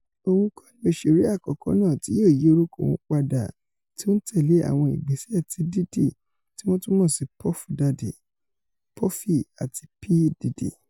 Òun kọ́ni òṣèré àkọ́kọ́ náà ti yóò yí orúkọ wọn padà tí ó ńtẹ̀lé àwọn ìgbésẹ̀ ti Diddy, tíwọ́n tún mọ̀ sí Puff Daddy, Puffy àti P Diddy.